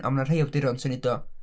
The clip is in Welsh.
A mae 'na rhai awduron sy'n neud o.